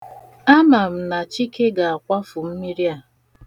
Ama m na Chike ga-akwafu mmiri a.